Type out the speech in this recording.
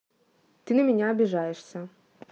ты на меня обижаешься